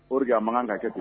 Or que a mankan ka kɛ d